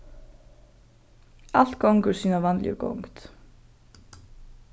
alt gongur sína vanligu gongd